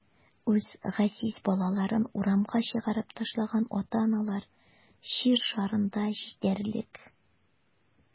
Үз газиз балаларын урамга чыгарып ташлаган ата-аналар җир шарында җитәрлек.